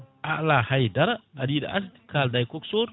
a ala haydara aɗa yiiɗa asde kalda e coxeur